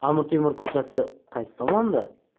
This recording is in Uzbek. amir temur ko'chasi qaysi tomonda